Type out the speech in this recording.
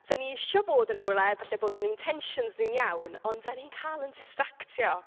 Dan ni isio bod yn rhywle, falle bod ein intentions ni'n iawn, ond dan ni'n cael yn distractio.